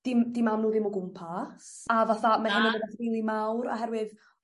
'di m- 'di mam n'w ddim o gwmpas a fatha mawr oherwydd...